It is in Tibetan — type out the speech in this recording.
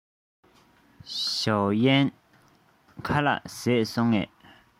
ཞའོ གཡན ཁ ལག བཟས སོང ངས